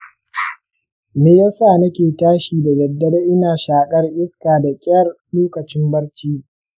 me yasa nake tashi da daddare ina shakar iska da ƙyar lokacin barci?